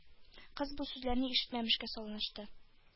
Кыз бу сүзләрне ишетмәмешкә салышты.